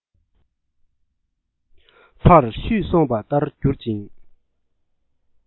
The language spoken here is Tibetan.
ཕར བཤུས སོང པ ལྟར གྱུར ཅིང